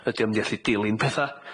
Ydi o'n mynd i allu dilyn petha?